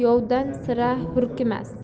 yovdan sira hurkmas